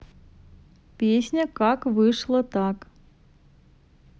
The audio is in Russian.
песня как вышло так